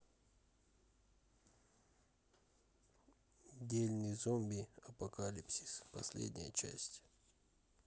дельный зомби апокалипсис последняя часть